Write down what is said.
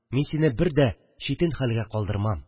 Мин сине бер дә читен хәлгә калдырмам